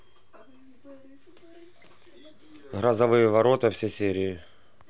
грозовые ворота все серии